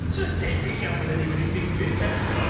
'Sa'n debyg iawn bod hynny wedi digwydd 'de ti'mod.